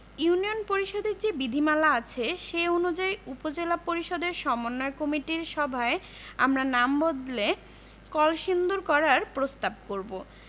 union পরিষদের যে বিধিমালা আছে সে অনুযায়ী উপজেলা পরিষদের সমন্বয় কমিটির সভায় আমরা নাম বদলে কলসিন্দুর করার প্রস্তাব করব